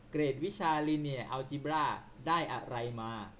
เกรดวิชาลิเนียร์แอลจิบ้าได้อะไรมา